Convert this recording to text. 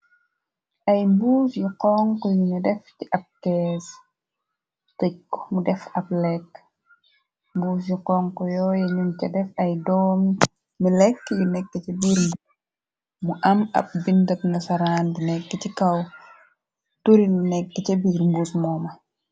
Ay mbuus yu konk yunu def ci ak kees dëj k mu def ab lekk mbuus yu konk yooye nun ca def ay doom mi lekk yu nekk ca biir bu mu am ab bindëgna saraan di nekk ci kaw turi lu nekk ca biir mbuus mooma.